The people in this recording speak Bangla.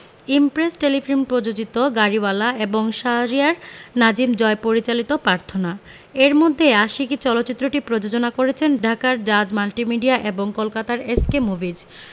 ইমপ্রেস টেলিফিল্ম প্রযোজিত গাড়িওয়ালা এবং শাহরিয়ার নাজিম জয় পরিচালিত পার্থনা এর মধ্যে আশিকী চলচ্চিত্রটি প্রযোজনা করছে ঢাকার জাজ মাল্টিমিডিয়া এবং কলকাতার এস কে মুভিজ